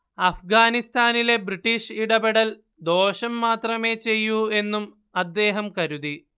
അഫ്ഗാനിസ്താനിലെ British ഇടപെടൽ ദോഷം മാത്രമേ ചെയ്യൂ എന്നും അദ്ദേഹം കരുതി